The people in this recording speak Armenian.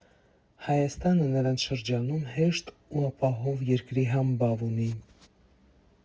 Հայաստանը նրանց շրջանում հեշտ ու ապահով երկրի համբավ ունի։